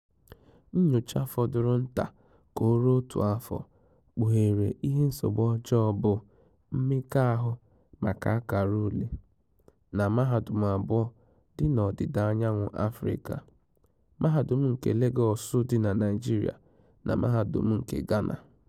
Nnyocha fọdụrụ nta ka o ruo otu afọ kpughere ihe nsogbu ọjọọ bụ "mmekọahụ maka ákàrà ule" na mahadum abụọ dị n'Ọdịdaanyanwụ Afịrịka: Mahadum nke Legọọsụ dị na Naịjirịa na Mahadum nke Ghana.